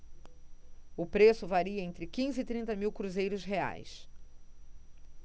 o preço varia entre quinze e trinta mil cruzeiros reais